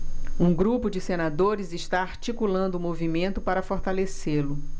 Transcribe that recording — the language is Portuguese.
um grupo de senadores está articulando um movimento para fortalecê-lo